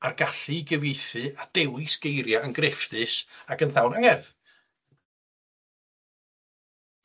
a'r gallu i gyfieithu a dewis geiria' yn grefftus ac yn llawn angerdd.